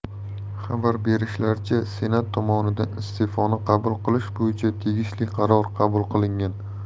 xabar berishlaricha senat tomonidan iste'foni qabul qilish bo'yicha tegishli qaror qabul qilingan